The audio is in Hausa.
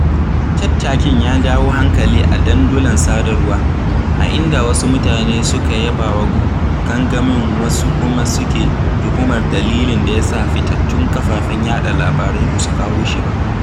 Tattakin ya jawo hankali a dandulan sadarwa a inda wasu mutane suka yabawa gangamin wasu kuma suke tuhumar dalilin da ya sa fitattun kafafen yaɗa labarai ba su kawo shi ba.